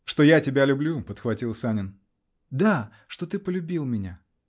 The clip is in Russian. -- Что я тебя люблю, -- подхватил Санин. -- Да. что ты полюбил меня.